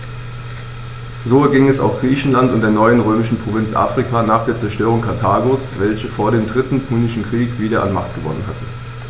So erging es auch Griechenland und der neuen römischen Provinz Afrika nach der Zerstörung Karthagos, welches vor dem Dritten Punischen Krieg wieder an Macht gewonnen hatte.